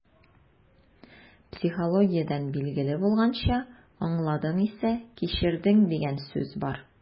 Психологиядән билгеле булганча, «аңладың исә - кичердең» дигән сүз бар.